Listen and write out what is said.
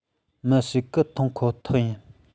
མི ཞིག གིས མཐོང ཁོ ཐག ཡིན